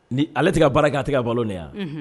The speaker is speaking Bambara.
Ni ale tɛ ka baara kɛ a tɛgɛ a balo de yan